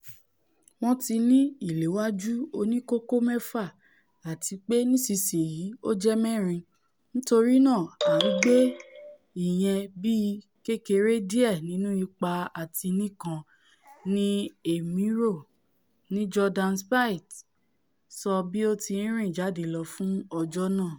Wọ́n ti ní ìléwájú oníkókó-mẹ́fà àtipé nísinsìnyí ó jẹ́ mẹ́rin, nítorínáà a ńgbé ìyẹn bíi kékeré díẹ̀ nínú ipá-atini kan ní Èmi rò,'' ni Jordan Spieth sọ bí ó tì rìn jáde lọ fún ọjọ́ náà.